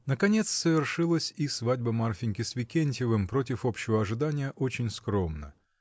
Наконец совершилась и свадьба Марфиньки с Викентьевым, против общего ожидания, очень скромно.